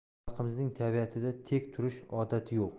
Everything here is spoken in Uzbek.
xalqimizning tabiatida tek turish odati yo'q